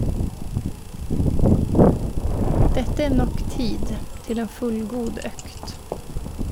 Dette er nok tid til en fullgod økt.